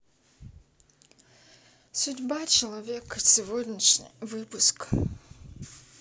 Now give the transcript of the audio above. судьба человека сегодняшний выпуск